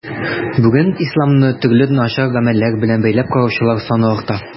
Бүген исламны төрле начар гамәлләр белән бәйләп караучылар саны арта.